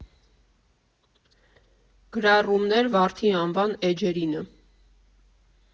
Գրառումներ «Վարդի անվան» էջերինը։